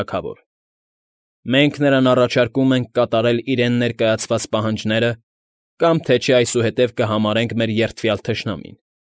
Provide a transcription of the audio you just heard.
Թագավոր։ Մենք նրան առաջարկում ենք կատարել իրենց ներկայացված պահանջները կամ թե չէ այսուհետև կհամարենք մեր երդվյալ թշնամին։